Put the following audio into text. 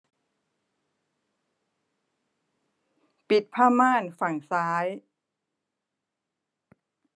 ปิดผ้าม่านฝั่งซ้าย